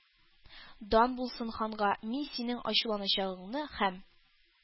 — дан булсын ханга, мин синең ачуланачагыңны һәм